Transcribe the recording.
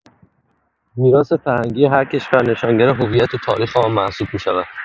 میراث‌فرهنگی هر کشور، نشانگر هویت و تاریخ آن محسوب می‌شود.